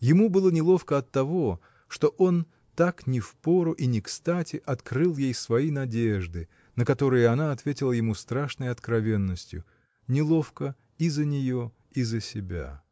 Ему было неловко от того, что он так не в пору и некстати открыл ей свои надежды, на которые она ответила ему страшной откровенностью: неловко и за нее, и за себя.